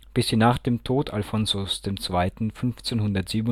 bis sie nach dem Tod Alfonsos II. 1597 als vakante